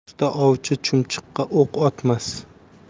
usta ovchi chumchuqqa o'q otmas